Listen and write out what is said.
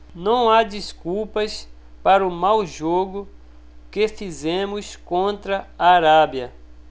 não há desculpas para o mau jogo que fizemos contra a arábia